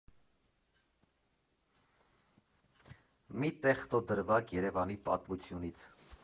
Մի տեխնո դրվագ Երևանի պատմությունից։